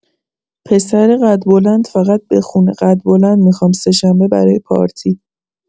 پسر قد بلند فقط بخونه قد بلند میخوام سه‌شنبه برای پارتی